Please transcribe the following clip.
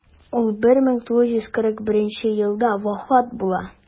Ул 1941 елда вафат була.